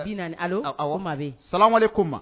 Bi naani alo a awɔ maa be ye salamalekum